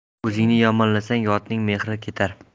o'zingni yomonlasang yotning mehri ketar